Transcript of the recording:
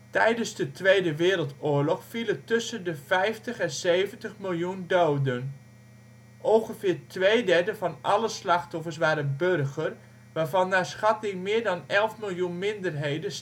Tijdens de Tweede Wereldoorlog vielen tussen de 50 en 70 miljoen doden. Ongeveer twee derde van alle slachtoffers waren burger waarvan naar schatting meer dan elf miljoen minderheden